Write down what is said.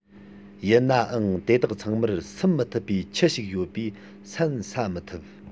ཡིན ནའང དེ དག ཚང མར ཟུམ མི ཐུབ པའི མཆུ ཞིག ཡོད པས ཟན ཟ མི ཐུབ